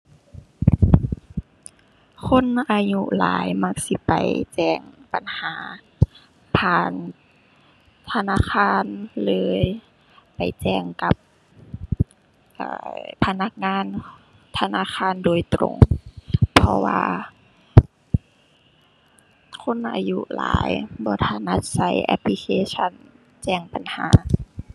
คนอายุหลายมักสิไปแจ้งปัญหาผ่านธนาคารเลย ไปแจ้งกับ เอ่อ พนักงานธนาคารโดยตรง เพราะว่าคนอายุหลายบ่ถนัดใช้แอปพลิเคชันแจ้งปัญหา